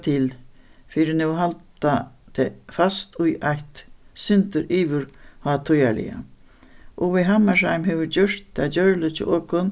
til fyri nú at halda fast í eitt sindur yvirhátíðarliga u v hammershaimb hevur gjørt tað gjørligt hjá okum